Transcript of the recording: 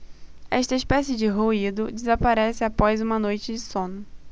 esta espécie de ruído desaparece após uma noite de sono